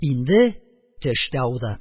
Инде төш тә ауды.